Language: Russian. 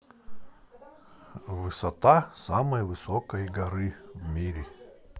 высота самой высокой горы в мире